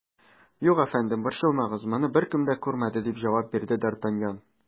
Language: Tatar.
Юк, әфәндем, борчылмагыз, моны беркем дә күрмәде, - дип җавап бирде д ’ Артаньян.